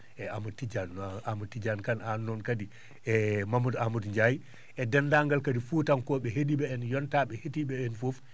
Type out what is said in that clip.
eeyi Amadou Tidiani Amadou Tidiani Kane an noon kadi e Mamadou Amadou Ndiaye e deendaangal kadi Fuutankoo?e he?ii?e yontaa?e hetii?e en fof